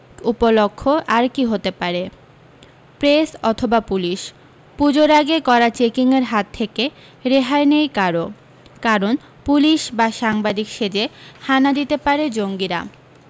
উপলক্ষ আর কী হতে পারে প্রেস অথবা পুলিশ পূজোর আগে কড়া চেকিংয়ের হাত থেকে রেহাই নেই কারও কারণ পুলিশ বা সাংবাদিক সেজে হানা দিতে পারে জঙ্গিরা